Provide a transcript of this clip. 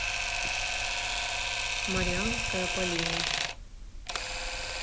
марианская полина